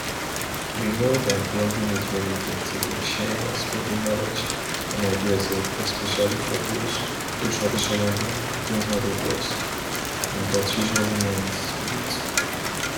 We know that blogging is very effective in sharing and spreading knowledge and ideas, especially for those who traditionally do not have a “voice”—and that usually means youth.